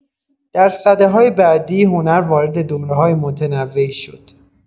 در سده‌های بعدی، هنر وارد دوره‌های متنوعی شد.